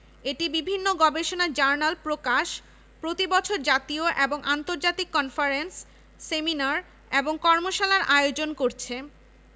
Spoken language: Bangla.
বছর জুড়েই বিভিন্ন অনুষ্ঠান এবং প্রতিযোগিতার আয়োজন করে শিক্ষার্থীদের এই সংগঠনগুলির মধ্যে আছে ক্লাব ডিবেটিং ক্লাব ফটোগ্রাফিক সমিতি চলচ্চিত্র সমিতি